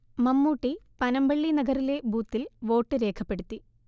മമ്മൂട്ടി പനമ്പള്ളി നഗറിലെ ബൂത്തിൽ വോട്ട് രേഖപ്പെടുത്തി